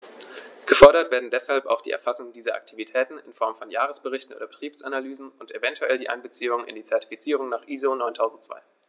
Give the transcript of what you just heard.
Gefordert werden deshalb auch die Erfassung dieser Aktivitäten in Form von Jahresberichten oder Betriebsanalysen und eventuell die Einbeziehung in die Zertifizierung nach ISO 9002.